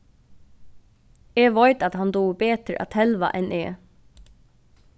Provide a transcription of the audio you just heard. eg veit at hann dugir betur at telva enn eg